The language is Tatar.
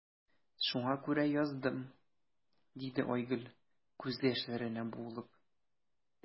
Шуңа күрә яздым,– диде Айгөл, күз яшьләренә буылып.